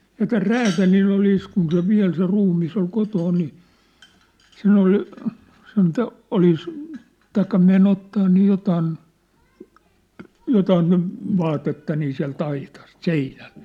ja tällä räätälillä oli kun se vielä se ruumis oli kotona niin sen oli sen - olisi tai meni ottamaan niin jotakin jotakin nyt vaatetta niin sieltä aitasta seinältä